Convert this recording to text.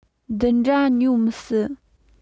འདི འདྲ ཉོ མི སྲིད